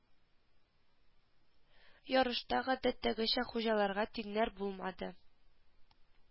Ярышта гадәттәгечә хуҗаларга тиңнәр булмады